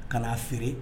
Ka n'a feere